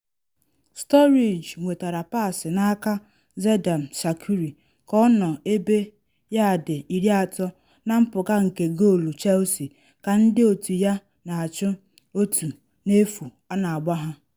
Sturridge nwetara pass n’aka Xherdan Shaqiri ka ọ nọ ebe yaadị 30 na mpụga nke goolu Chelsea ka ndị otu ya na achụ 1-0.